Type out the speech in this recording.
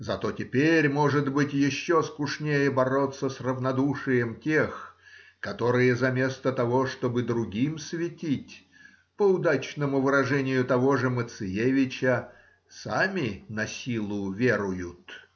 зато теперь, может быть, еще скучнее бороться с равнодушием тех, которые, заместо того чтобы другим светить, по удачному выражению того же Мациевича, сами насилу веруют.